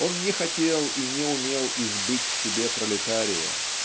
он не хотел и не умел избыть в себе пролетария.